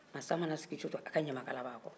masa ma na sigi cogo o cogo a ka ɲamakala b'a kɔrɔ